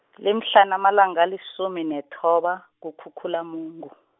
limhlana amalanga alisumi nethoba, kuKhukhulamungu.